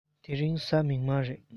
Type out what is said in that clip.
དེ རིང གཟའ མིག དམར རེད